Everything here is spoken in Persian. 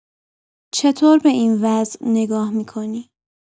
چطور به این وضع نگاه می‌کنی؟